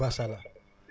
maasàllaa